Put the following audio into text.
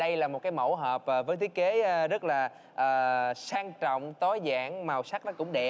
đây là một cái mẫu hợp và với thiết kế rất là ờ sang trọng tối giản màu sắc nó cũng đẹp